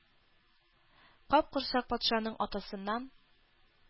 Капкорсак патшаның атасыннан